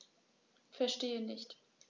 Verstehe nicht.